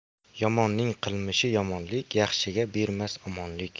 yomonning qilmishi yomonlik yaxshiga berrnas omonlik